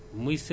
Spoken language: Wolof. million